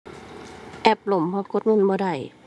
แอปล่ม เพราะกดเงินบ่ได้